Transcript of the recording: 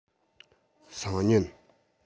སང ཉིན